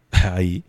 'a